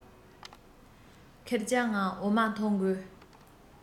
ཁེར རྐྱང ངང འོ མ འཐུང དགོས